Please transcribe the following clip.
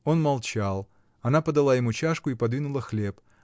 Он молчал, она подала ему чашку и подвинула хлеб.